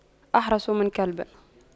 أحرس من كلب